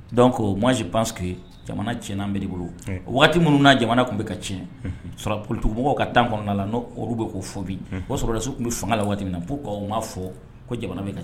Donc, je pense que jamana cɛn an bɛɛ de bolo. Oui waati minnu na jamana tun bɛ ka cɛn; Unhun; sɔrɔ politikimɔgɔw ka temps kɔnɔna na n'olu bɛ ko fɔ bi; Unhun; o sɔrɔdasiw tun bɛ fanga la waati min na pourquoi o ma fo ko jamana bɛ k